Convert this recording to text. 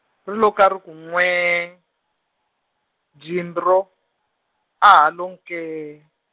ri lo ka ri ku nwee, Jimbro, a ha lo nkee.